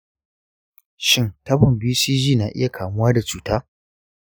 shin tabon bcg na iya kamuwa da cuta?